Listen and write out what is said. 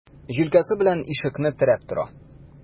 Җилкәсе белән ишекне терәп тора.